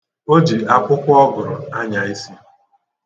O ji akwụkwọ ọ gụrụ anya isi.